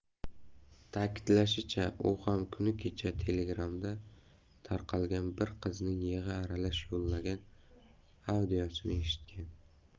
ta'kidlashicha u ham kuni kecha telegram'da tarqalgan bir qizning yig'i aralash yo'llagan audiosini eshitgan